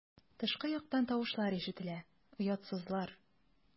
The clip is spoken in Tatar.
Тышкы яктан тавышлар ишетелә: "Оятсызлар!"